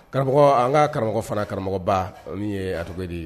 Karamɔgɔ an ka karamɔgɔ fana karamɔgɔba. O min ye a tɔgɔ ye di